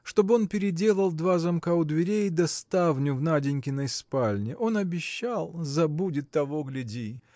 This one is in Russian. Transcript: чтоб он переделал два замка у дверей да ставню в Наденькиной спальне. Он обещал – забудет, того гляди.